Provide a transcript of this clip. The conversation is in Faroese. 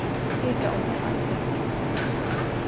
strika undanfarna setning